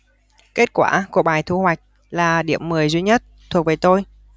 kết quả của bài thu hoạch là điểm mười duy nhất thuộc về tôi